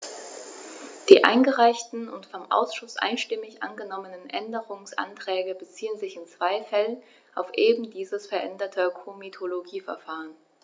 Die eingereichten und vom Ausschuss einstimmig angenommenen Änderungsanträge beziehen sich in zwei Fällen auf eben dieses veränderte Komitologieverfahren.